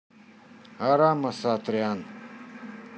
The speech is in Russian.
арам асатрян